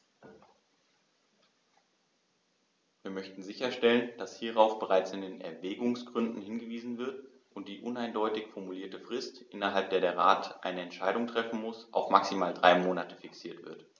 Wir möchten sicherstellen, dass hierauf bereits in den Erwägungsgründen hingewiesen wird und die uneindeutig formulierte Frist, innerhalb der der Rat eine Entscheidung treffen muss, auf maximal drei Monate fixiert wird.